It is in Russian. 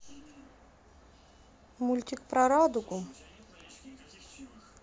мультик про радугу